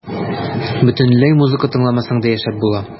Бөтенләй музыка тыңламасаң да яшәп була.